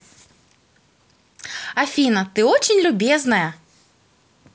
афина ты очень любезная